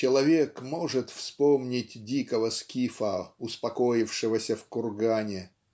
человек может вспомнить дикого скифа успокоившегося в кургане